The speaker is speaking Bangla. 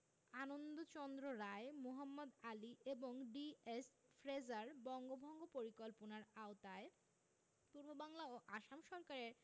আনন্দচন্দ্র রায় মোহাম্মদ আলী এবং ডি.এস. ফ্রেজার বঙ্গভঙ্গ পরিকল্পনার আওতায় পূর্ববাংলা ও আসাম সরকারের